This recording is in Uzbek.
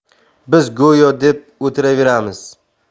biz go'yo deb o'tiraveramiz